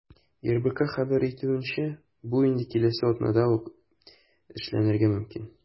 РБК хәбәр итүенчә, бу инде киләсе атнада ук эшләнергә мөмкин.